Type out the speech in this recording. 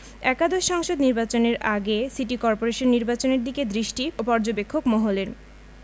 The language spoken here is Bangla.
একাদশ সংসদ নির্বাচনের আগে সিটি করপোরেশন নির্বাচনের দিকে দৃষ্টি পর্যবেক্ষক মহলের